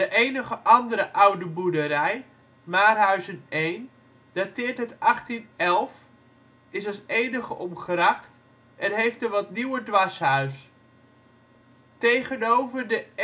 enige andere oude boerderij (Maarhuizen 1) dateert uit 1811, is als enige omgracht en heeft een wat nieuwer dwarshuis. Tegenover de